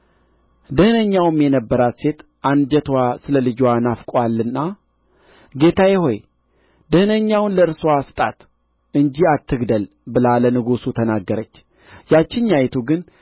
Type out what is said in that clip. ደኅነኛውም የነበራት ሴት አንጀትዋ ስለ ልጅዋ ናፍቆአልና ጌታዬ ሆይ ደኀነኛውን ለእርስዋ ስጣት እንጂ አትግደል ብላ ለንጉሡ ተናገረች ያችኛይቱ ግን